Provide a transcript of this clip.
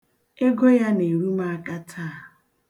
Ego ya na-eru m aka taa.